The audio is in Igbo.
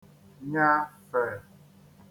nyafè